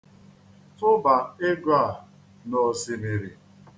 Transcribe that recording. Tụbaa ego a n'osimmiri.